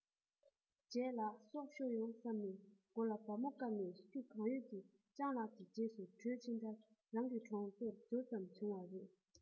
ལྗད ལགས སྲོག ཤོར ཡོང བསམ ནས མགོ ལ སྦར མོ བཀབ ནས ཤུགས གང ཡོད ཀྱིས སྤྱང ལགས ཀྱི རྗེས སུ བྲོས ཕྱིན མཐར རང གི གྲོང ཚོར འབྱོར ཙམ བྱུང བ རེད